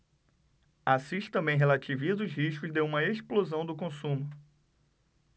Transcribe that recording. assis também relativiza os riscos de uma explosão do consumo